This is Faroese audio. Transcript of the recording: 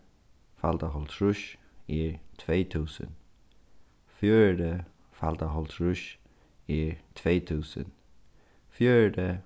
falda hálvtrýss er tvey túsund fjøruti falda hálvtrýss er tvey túsund fjøruti